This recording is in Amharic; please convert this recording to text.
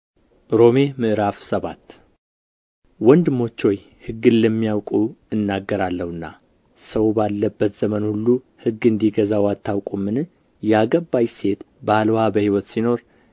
ሮሜ ምዕራፍ ሰባት ወንድሞች ሆይ ሕግን ለሚያውቁ እናገራለሁና ሰው ባለበት ዘመን ሁሉ ሕግ እንዲገዛው አታውቁምን ያገባች ሴት ባልዋ በሕይወት ሲኖር